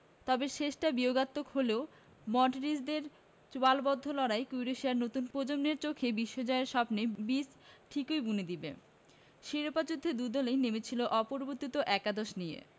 তবে শেষটা বিয়োগান্তক হলেও মডরিচদের চোয়ালবদ্ধ লড়াই ক্রোয়েশিয়ার নতুন প্রজন্মের চোখে বিশ্বজয়ের স্বপ্নে বীজ ঠিকই বুনে দেবে শিরোপা যুদ্ধে দু দলই নেমেছিল অপরিবর্তিত একাদশ নিয়ে